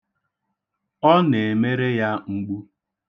Ọ na-emere ya mgbu.